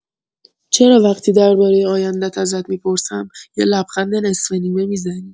چرا وقتی درباره آینده‌ات ازت می‌پرسم، یه لبخند نصفه‌نیمه می‌زنی؟